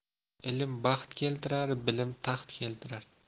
ilm baxt keltirar bilim taxt keltirar